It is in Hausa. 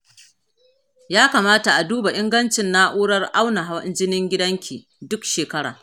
ya kamata a duba ingancin na’urar auna hawan jinin gidanki duk shekara.